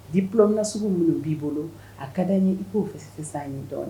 Diplôme nasugu minnu b'i bolo, a ka d'an ye, i ko fɛsɛfɛsɛ an ye dɔɔnin.